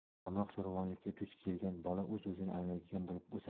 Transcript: kamroq zo'ravonlikka duch kelgan bola o'z o'zini anglaydigan bo'lib o'sadi